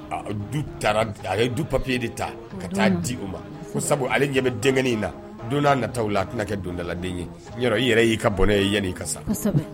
A du tara a ye du papier de ta ka taa di u ma ko sabu ale ɲɛ bɛ denkɛnin in na, don n'a nataw la a tɛna kɛ dondaladen ye, yɔrɔ i yɛrɛ y'i ka bɔnɛ yan'i ka sa, kosɛbɛ